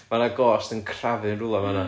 ma' 'na ghost yn crafu'n rhywle fanna.